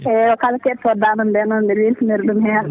eyyi kala ke?oto?o daande am nde noon mbi?o weltinori ?um heen